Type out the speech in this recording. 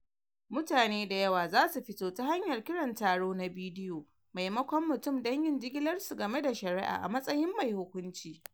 Mutane da yawa za su fito ta hanyar kiran taro na bidiyo, maimakon mutum, don yin jigilar su game da shari'a, a matsayin mai hukunci.